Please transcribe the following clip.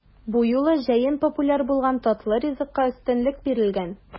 Бу юлы җәен популяр булган татлы ризыкка өстенлек бирелгән.